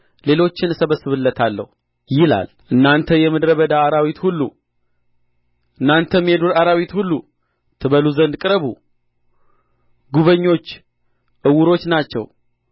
ሌሎችን እሰበስብለታለሁ ይላል እናንተ የምድረ በዳ አራዊት ሁሉ እናንተም የዱር አራዊት ሁሉ ትበሉ ዘንድ ቅረቡ ጕበኞቹ ዕውሮች ናቸው